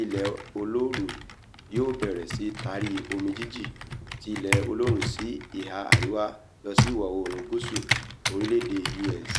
ilẹ̀ olóoru yóò bẹ̀rẹ̀ sí taari omi jínjìn ti ilẹ̀ olóoru sí ìhà àríwá lọsí ìwọ̀-oòrùn gúúsù orilẹ̀-ede U.S.